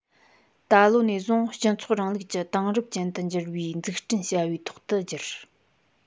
ད ལོ ནས བཟུང སྤྱི ཚོགས རིང ལུགས ཀྱི དེང རབས ཅན དུ འགྱུར བའི འཛུགས སྐྲུན བྱ རྒྱུའི ཐོག ཏུ སྒྱུར